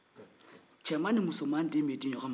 cɛman ni musoman den bɛ di ɲɔgɔn ma